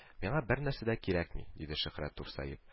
Миңа бернәрсә дә кирәкми, – диде Шөһрәт турсаеп